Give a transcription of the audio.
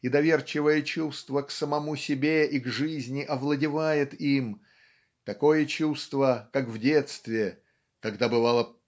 и доверчивое чувство к самому себе и к жизни овладевает им такое чувство как в детстве "когда бывало